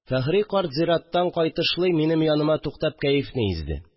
Фәхри карт, зыяраттан кайтышлый минем яным туктап, кәефне изде